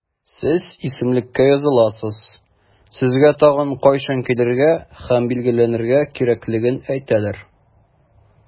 Сез исемлеккә языласыз, сезгә тагын кайчан килергә һәм билгеләнергә кирәклеген әйтәләр.